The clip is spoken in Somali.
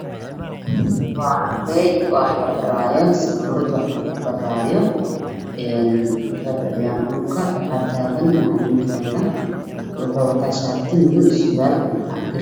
Waa arday wax la baraayo sawirada ah lagu baraayo dhulka ayay fadhiyaan sabuuradda waxaa taagan arday shaata caddaan ayuu qabaa macalinkana u egtaagan yahay